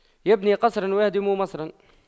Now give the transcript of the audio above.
يبني قصراً ويهدم مصراً